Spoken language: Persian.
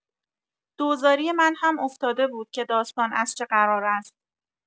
دوزاری من هم افتاده بود که داستان از چه قرار است.